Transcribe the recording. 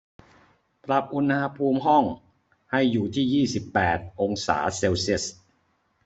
ปรับอุณหภูมิห้องให้อยู่ที่ยี่สิบแปดองศาเซลเซียส